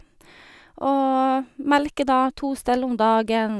Og melker da to stell om dagen.